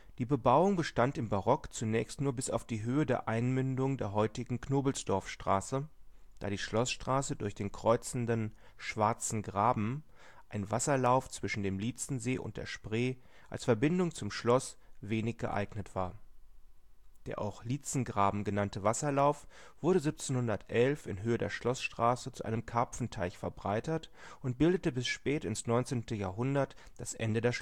Die Bebauung bestand im Barock zunächst nur bis auf die Höhe der Einmündung der heutigen Knobelsdorffstraße, da die Schloßstraße durch den kreuzenden ' Schwarzen Graben ', ein Wasserlauf zwischen dem Lietzensee und der Spree, als Verbindung zum Schloss wenig geeignet war. Der auch Lietzengraben genannte Wasserlauf wurde 1711 in Höhe der Schloßstraße zu einem Karpfenteich verbreitert und bildete bis spät ins 19. Jahrhundert das Ende der